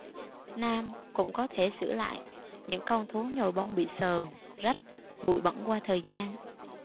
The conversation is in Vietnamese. nam cũng có thể sửa lại những con thú nhồi bông bị sờn rách bụi bẩn qua thời gian